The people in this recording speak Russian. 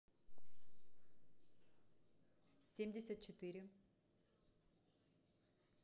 семьдесят четыре